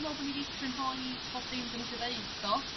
dwi me'wl bo' ni 'di crynhoi bob dim 'dyn ni isio ddeud do?